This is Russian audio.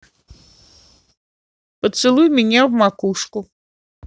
поцелуй меня в макушку